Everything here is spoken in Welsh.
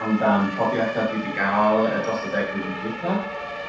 amddan profiada dwi 'di ga'l yy dros y deg blwyddyn dwitha.